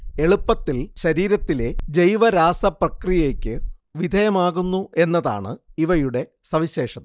എളുപ്പത്തിൽ ശരീരത്തിലെ ജൈവരാസപ്രക്രിയക്ക് വിധേയമാകുന്നു എന്നതാണ് ഇവയുടെ സവിശേഷത